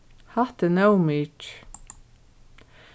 hatta er nóg mikið